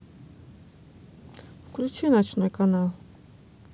включи ночной канал